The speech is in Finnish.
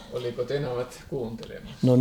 oliko tenavat kuuntelemassa